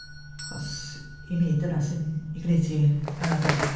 Achos, i mi, dyna sy'n ei gwneud hi yn arbennig.